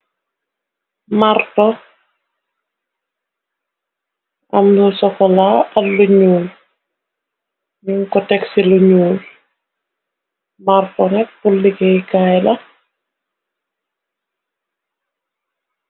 Marto amlu sokola ak lu ñuul nyung ko teg ci lu ñuul marto nak pur liggéey kaay la.